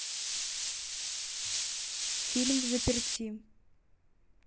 фильм взаперти